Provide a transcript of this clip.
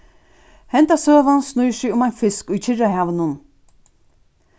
hendan søgan snýr seg um ein fisk í kyrrahavinum